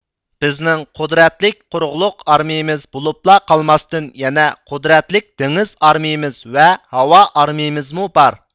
بىزنىڭ قۇدرەتلىك قۇرۇقلۇق ئارمىيىمىز بولۇپلا قالماستىن يەنە قۇدرەتلىك دېڭىز ئارمىيىمىز ۋە ھاۋا ئارمىيىمىزمۇ بار